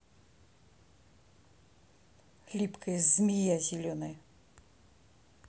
липкая змея зеленая